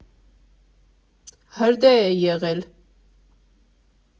«Հրդեհ է եղել։